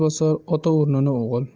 bosar ota o'rnini o'g'il